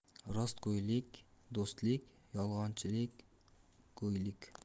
rostlik do'stlik yolg'onchilik ko'igulik